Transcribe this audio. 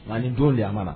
Man ni to demana